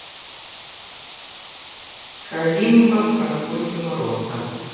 kalimba проходим роза